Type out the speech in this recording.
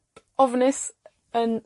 ofnus, yn